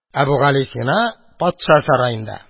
Әбүгалисина патша сараенда